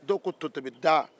dɔw ko to tobidaga